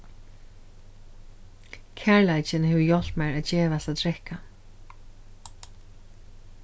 kærleikin hevur hjálpt mær at gevast at drekka